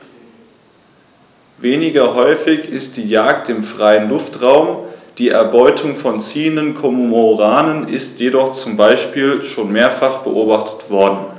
Weniger häufig ist die Jagd im freien Luftraum; die Erbeutung von ziehenden Kormoranen ist jedoch zum Beispiel schon mehrfach beobachtet worden.